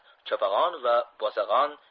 chopag'on va bosag'on